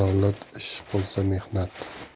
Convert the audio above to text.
davlat ish qolsa mehnat